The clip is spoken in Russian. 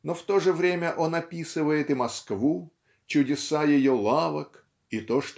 но в то же время он описывает и Москву чудеса ее лавок и то